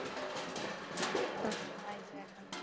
джой у меня тоже дела идеально